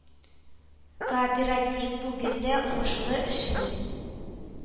Кооператив бүген дә уңышлы эшли